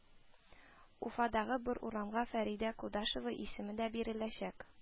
Уфадагы бер урамга Фәридә Кудашева исеме дә биреләчәк